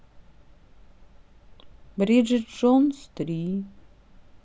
бриджит джонс три